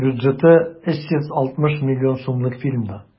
Бюджеты 360 миллион сумлык фильмда.